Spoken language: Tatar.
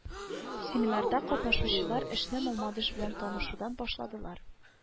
Семинарда катнашучылар эшне мамадыш белән танышудан башладылар